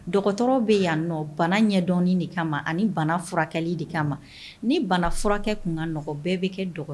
Dɔgɔtɔrɔ bɛ yan nɔ bana ɲɛdɔn de kama ani bana furakɛli de kama ni bana furakɛ tun ka nɔgɔn bɛɛ bɛ kɛ